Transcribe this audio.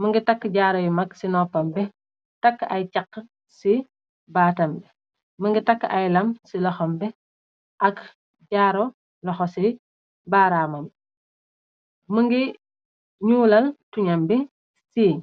Më ngi takk jaaro yu mag ci noppam bi, takk ay chàq ci baatam bi, më ngi takk ay lam ci loham bi ak jaaro loho ci baaraamamb. Më ngi ñuulal tuñam bi siin.